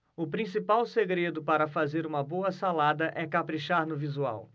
o principal segredo para fazer uma boa salada é caprichar no visual